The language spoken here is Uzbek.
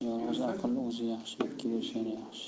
yolg'iz aql o'zi yaxshi ikki bo'lsa yana yaxshi